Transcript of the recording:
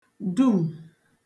dum̀